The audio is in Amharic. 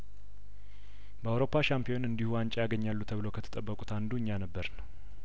በአውሮፓ ሻምፒዮን እንዲሁ ዋንጫ ያገኛሉ ተብለው ከተጠበቁት አንዱ እኛ ነበርን